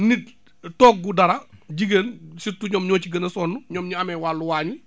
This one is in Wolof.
nit togg dara jigéen surtout ñoom ñoo ci gën a sonn ñoom ñi amee wàllu waañ wi